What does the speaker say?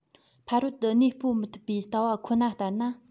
ཕ རོལ དུ གནས སྤོ མི ཐུབ པའི ལྟ བ ཁོ ན ལྟར ན